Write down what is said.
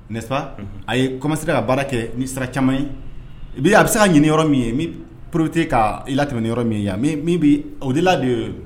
Sa a ye koma se ka baara kɛ ni sara caman ye bi a bɛ se ka ɲinin yɔrɔ min ye poropte ka la tɛmɛ ni yɔrɔ min ye yan min bɛ o dela de